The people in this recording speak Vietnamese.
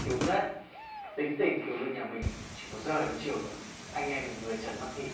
đúng đấy tính tình kiều linh nhà mình chỉ có giời mới chiều được anh em mình người trần mắt thịt